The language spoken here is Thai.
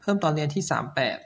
เพิ่มตอนเรียนที่สามแปด